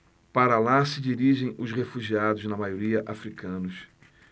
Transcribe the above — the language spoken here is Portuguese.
para lá se dirigem os refugiados na maioria hútus